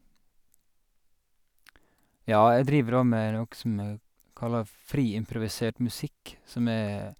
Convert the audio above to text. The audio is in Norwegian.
Ja, jeg driver da med noe som vi kaller fri improvisert musikk, som er...